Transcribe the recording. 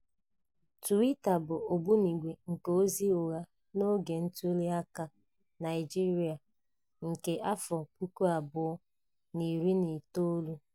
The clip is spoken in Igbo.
Twitter bụ ogbunigwe nke ozi ụgha n'oge ntụliaka Naịjirịa nke 2019